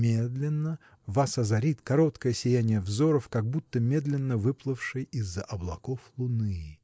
медленно – вас озарит кроткое сияние взоров как будто медленно выплывшей из-за облаков луны.